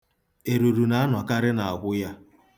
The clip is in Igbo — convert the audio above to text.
Eruru na-anọkarị n'akwụ ya.